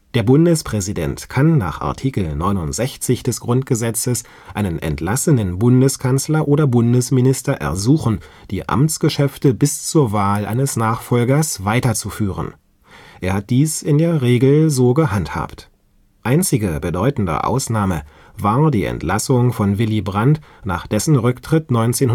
Der Bundespräsident kann nach Art. 69 des Grundgesetzes einen entlassenen Bundeskanzler oder Bundesminister ersuchen, die Amtsgeschäfte bis zur Wahl eines Nachfolgers weiterzuführen. Er hat dies in der Regel so gehandhabt. Einzige bedeutende Ausnahme war die Entlassung von Willy Brandt nach dessen Rücktritt 1974